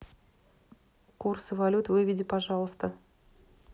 курсы валют выведи пожалуйста